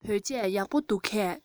བོད ཆས ཡག པོ འདུག གས